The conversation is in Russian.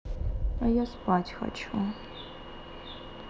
а я спать хочу